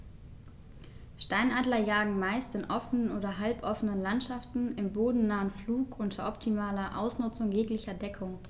Steinadler jagen meist in offenen oder halboffenen Landschaften im bodennahen Flug unter optimaler Ausnutzung jeglicher Deckung.